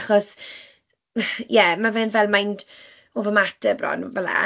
Achos ie mae fe'n fel mind over matter bron fela.